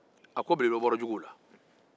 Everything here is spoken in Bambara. a ko belebele bɔra juguw la